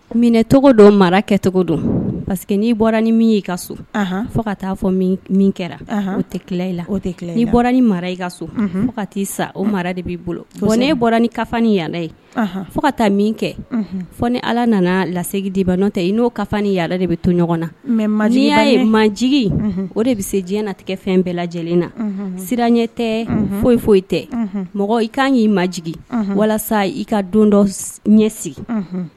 Minɛcogo dɔ mara kɛcogo don parceseke n'i bɔra ni min i ka so fo ka taa fɔ min kɛra o tɛ tila i bɔra ni mara i ka so fo kai sa o de b'i bolo fo ne bɔra ni ka ni yaala ye fo ka taa min kɛ fɔ ni ala nana lasegin diba n'o tɛ i n'o ka ni yaala de bɛ to ɲɔgɔn na n'i y'a ye ma jigi o de bɛ se diɲɛ natigɛ fɛn bɛɛ lajɛlen na siran ɲɛ tɛ foyi foyi tɛ mɔgɔ i ka kan y'i maj walasa i ka don dɔ ɲɛ sigi